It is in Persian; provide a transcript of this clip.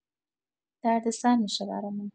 دردسر می‌شه برامون.